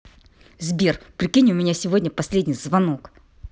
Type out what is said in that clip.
сбер прикинь у меня сегодня последний звонок